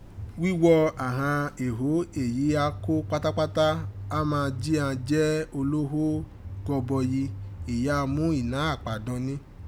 Wíwo àghan èho èyí áà kó pátápátá àmá jí án jẹ́ ológhó gọbọyi èyí án mú ìná àpà dọnní.